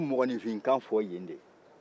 u ye mɔgɔnifin kan fɔ yen de